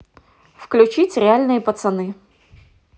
включить реальные пацаны